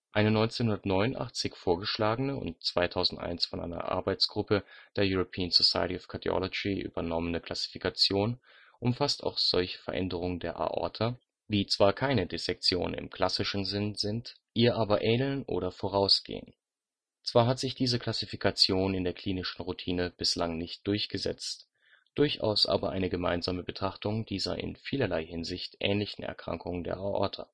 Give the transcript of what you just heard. Eine 1989 vorgeschlagene und 2001 von einer Arbeitsgruppe der European Society of Cardiology (ESC) übernommene Klassifikation umfasst auch solche Veränderungen der Aorta, die zwar keine Dissektion im klassischen Sinn sind, ihr aber ähneln oder vorausgehen. Zwar hat sich diese Klassifikation in der klinischen Routine bislang nicht durchgesetzt, durchaus aber eine gemeinsame Betrachtung dieser in vielerlei Hinsicht ähnlichen Erkrankungen der Aorta